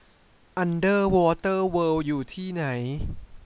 อันเดอร์วอเตอร์เวิล์ดอยู่ที่ไหน